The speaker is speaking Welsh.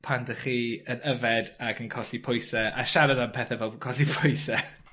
pan dach chi yn yfed ac yn colli pwyse a siarad am pethe fel colli pwyse.